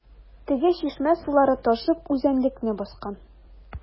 Теге чишмә сулары ташып үзәнлекне баскан.